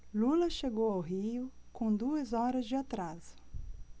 lula chegou ao rio com duas horas de atraso